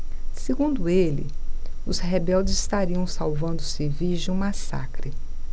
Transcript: segundo ele os rebeldes estariam salvando os civis de um massacre